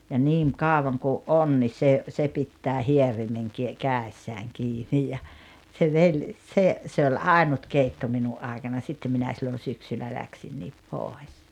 ja niin kauan kun on niin se se pitää hierimen - kädessään kiinni ja se vei se se oli ainut keitto minun aikana sitten minä silloin syksyllä lähdin pois